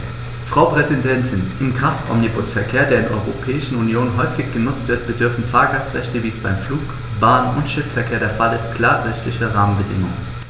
Frau Präsidentin, im Kraftomnibusverkehr, der in der Europäischen Union häufig genutzt wird, bedürfen Fahrgastrechte, wie es beim Flug-, Bahn- und Schiffsverkehr der Fall ist, klarer rechtlicher Rahmenbedingungen.